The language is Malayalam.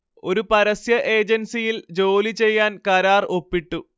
ഒരു പരസ്യ ഏജൻസിയിൽ ജോലി ചെയ്യാൻ കരാർ ഒപ്പിട്ടു